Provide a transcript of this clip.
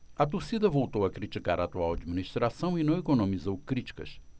a torcida voltou a criticar a atual administração e não economizou críticas